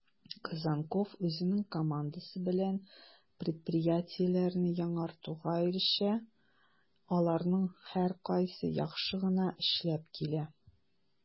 Козонков үзенең командасы белән предприятиеләрне яңартуга ирешә, аларның һәркайсы яхшы гына эшләп килә: